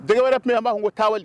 Dɛ wɛrɛ min b' taa